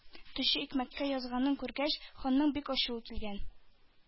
Төче икмәккә язганын күргәч, ханның бик ачуы килгән: